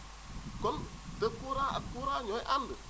kon de courant ak courant ñooy ànd